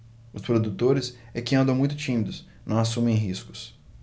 os produtores é que andam muito tímidos não assumem riscos